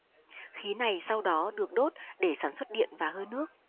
khí này sau đó được đốt để sản xuất điện và hơi nước